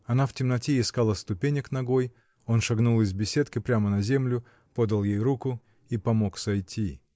Она в темноте искала ступенек ногой — он шагнул из беседки прямо на землю, подал ей руку и помог сойти.